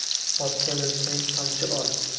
otga minsang qamchi ol